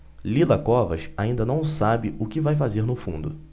lila covas ainda não sabe o que vai fazer no fundo